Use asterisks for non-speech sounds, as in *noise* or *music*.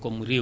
*hesitation* *hesitation*